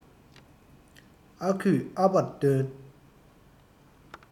ཨ ཁུས ཨ ཕར སྟོན